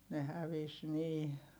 ne hävisi niin